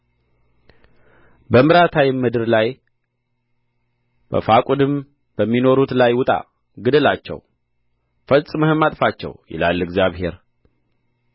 በምራታይም ምድር ላይ በፋቁድም በሚኖሩት ላይ ውጣ ግደላቸው ፈጽመህም አጥፋቸው ይላል እግዚአብሔር